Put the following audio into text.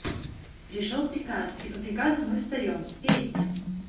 пришел приказ и по приказу мы встаем песня